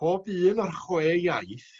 pob un ar chwe iaith